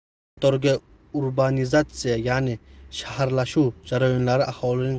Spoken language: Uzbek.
bularning qatoriga urbanizatsiya ya'ni shaharlashuv jarayonlari aholining